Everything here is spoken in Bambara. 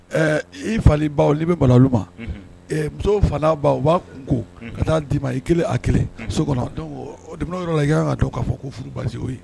I fali baw bɛ bala olu ma muso fa u b'a ko ka taa d'i ma i kelen a kelen so kɔnɔ yɔrɔ la ka to k'a fɔ ko basi o ye